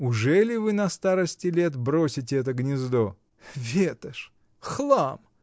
Ужели вы на старости лет бросите это гнездо?. — Ветошь, хлам!